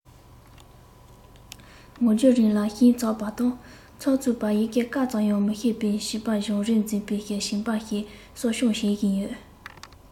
ངང རྒྱུད རིང ལ ཞིབ ཚགས པ དང ཚགས ཚུད པ ཡི གེ ཀ ཙམ ཡང མི ཤེས པའི བྱིས པ སྦྱང རིག འཛོམས པའི བྱིས པ ཞིག གསོ སྐྱོང བྱེད བཞིན ཡོད